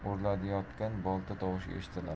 qulfiga urilayotgan bolta tovush eshitiladi